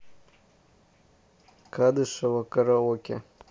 кадышева караоке